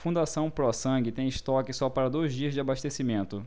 fundação pró sangue tem estoque só para dois dias de abastecimento